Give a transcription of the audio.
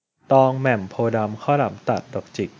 ตองแหม่มโพธิ์ดำข้าวหลามตัดดอกจิก